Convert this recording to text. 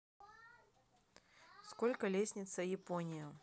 сколько лестница япония